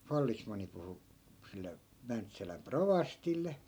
vallesmanni puhui sille Mäntsälän rovastille